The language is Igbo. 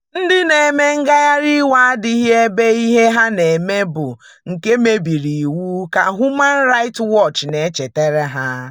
Ndị na-eme ngagharị iwe adịghị ebe ihe ha na-eme bụ nke mebiri iwu, ka Human Right Watch na-echetara ha: